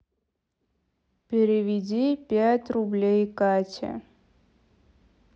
переведи пять рублей кате